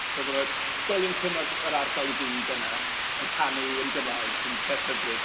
So bydde ysgolion cynradd yr ardal i gyd yna, yn canu yn Gymraeg, sy'n peth hyfryd.